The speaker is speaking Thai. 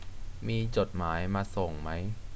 มีจดหมายมาส่งมั้ย